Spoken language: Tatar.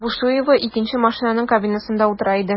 Бушуева икенче машинаның кабинасында утыра иде.